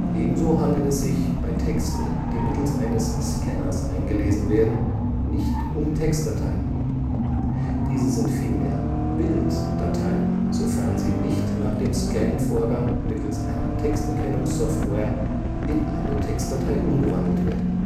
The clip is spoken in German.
Ebenso handelt es sich bei Texten, die mittels eines Scanners eingelesen werden, nicht um Textdateien. Diese sind vielmehr Bilddateien, sofern sie nicht nach dem Scan-Vorgang mittels einer Texterkennungs-Software (OCR) in eine Textdatei umgewandelt werden